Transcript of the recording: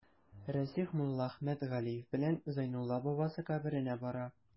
Расих Муллаәхмәт Галиев белән Зәйнулла бабасы каберенә бара.